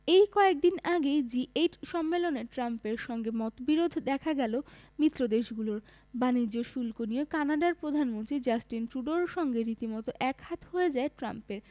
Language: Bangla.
এই কয়েক দিন আগেই জি এইট সম্মেলনে ট্রাম্পের সঙ্গে মতবিরোধ দেখা গেল মিত্রদেশগুলোর বাণিজ্য শুল্ক নিয়ে কানাডার প্রধানমন্ত্রী জাস্টিন ট্রুডোর সঙ্গে রীতিমতো একহাত হয়ে যায় ট্রাম্পের